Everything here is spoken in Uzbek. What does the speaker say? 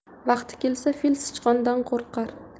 vaqti kelsa fil sichqondan qo'rqar